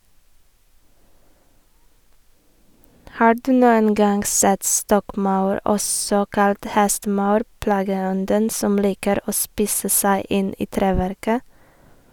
Har du noen gang sett stokkmaur, også kalt hestemaur, plageånden som liker å spise seg inn i treverket?